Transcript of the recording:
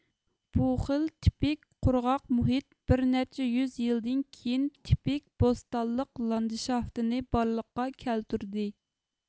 بۇ خىل تىپىك قۇرغاق مۇھىت بىر نەچچە يۈز يىلدىن كىيىن تىپىك بوستانلىق لاندىشافتىنى بارلىققا كەلتۈردى